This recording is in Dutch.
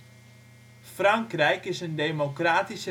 Frankrijk is een democratische